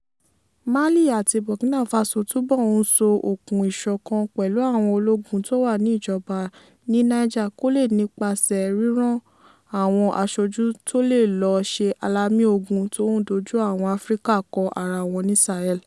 Mali àti Burkina Faso túbọ̀ ń so okùn ìṣọ̀kan pẹ̀lú àwọn ológun tó wà ní ìjọba ní Niger kó le nípasẹ̀ ríràn awọn aṣojú tó le lọ̀ ṣe alamí ogun tó ń dojú àwọn Áfíríkà kọ ara wọn ní sahel.